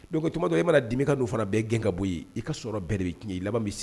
Don tumadɔ i e mana dimi ka don fana bɛɛ gɛn ka bɔ ye i ka sɔrɔ bɛɛ de' laban bɛ se